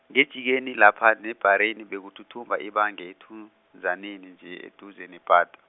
ngejikeni lapha, nebhareni bekuthuthumba ibange ethunzaneni nje eduze nepata.